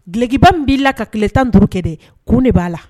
Gkiba min b'i la ka tile tan duuruurukɛ de kun de b'a la